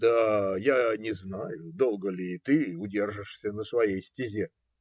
Да я не знаю, долго ли и ты удержишься на своей стезе.